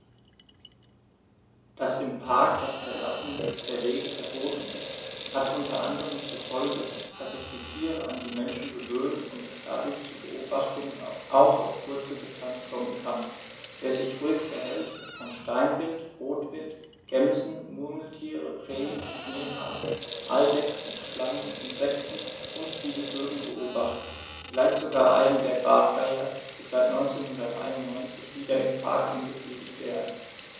Dass im Park das Verlassen der Wege verboten ist, hat unter anderem zur Folge, dass sich die Tiere an die Menschen gewöhnen und es dadurch zu Beobachtungen auch auf kurze Distanz kommen kann. Wer sich ruhig verhält, kann Steinwild, Rotwild, Gämsen, Murmeltiere, Rehe, Schneehasen, Eidechsen, Schlangen, Insekten und viele Vögel beobachten, vielleicht sogar einen der Bartgeier, die seit 1991 wieder im Park angesiedelt werden.